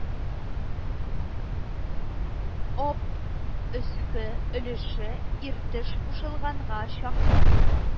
Об өске өлеше Иртеш кушылганга чаклы